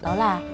đó là